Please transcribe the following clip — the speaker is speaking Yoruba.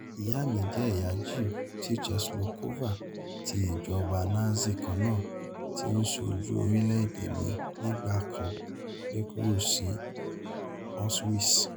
Ìyá mi jẹ́ ẹ̀yà Jew ti Czechoslovak tí ìjọba Nazi kannáà t’ó ń ṣojú orílẹ̀ èdè mi ní ìgbà kan lé kúrò sí Auschwitz.